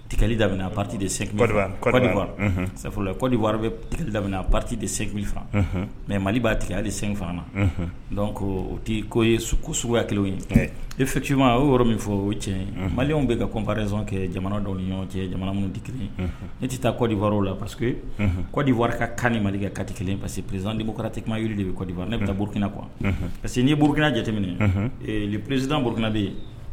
Tili dedi wara bɛli pati delifan mɛ mali b'a tigɛya senfan ko o tɛ ko ye suguya kelen ye e fɛkima o y ye yɔrɔ min fɔ o cɛn maliw bɛka ka koprez kɛ jamana dɔw ni ɲɔgɔn cɛ jamana minnu diki ne tɛ taa kɔdiwaraw o la pa kɔdi wara ka kan ni malikɛ kati kelen pa perezdi bokɔrɔ tema yiri de bɛ kɔdifa ne bɛ taa burukina kuwa parce que n'i burukina jateminɛli perezsid burukina bɛ